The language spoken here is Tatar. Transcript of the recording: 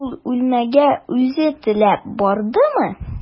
Ул үлемгә үзе теләп бардымы?